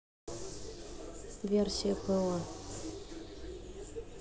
версия по